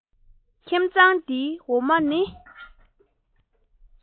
ཁྱིམ ཚང འདིའི འོ མ ནི